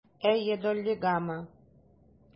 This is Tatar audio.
Әйе, Доллигамы?